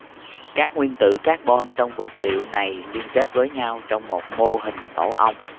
các nguyên tử carbon trong vật liệu này liên kết với nhau trong một mô hình tổ ong